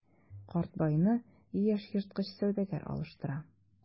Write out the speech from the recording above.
Карт байны яшь ерткыч сәүдәгәр алыштыра.